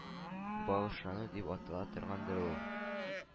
Багышлану дип атала торгандыр ул.